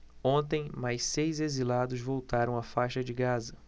ontem mais seis exilados voltaram à faixa de gaza